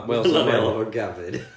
wnawn ni alw fo'n Gavin!